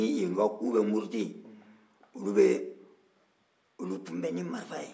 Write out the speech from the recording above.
ni ko k'u bɛ muruti olu bɛ olu kunbɛn ni marifa ye